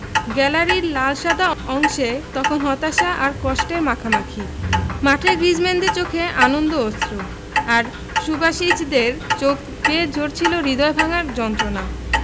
গ্যালারির লাল সাদা অংশে তখন হতাশা আর কষ্টের মাখামাখি মাঠে গ্রিজমানদের চোখে আনন্দ অশ্রু আর সুবাসিচদের চোখ বেয়ে ঝরছিল হৃদয় ভাঙার যন্ত্রণা